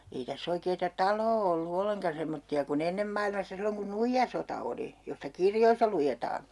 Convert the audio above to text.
ei tässä oikeaa taloa ollut ollenkaan semmoisia kuin ennen maailmassa silloin kun nuijasota oli josta kirjoissa luetaan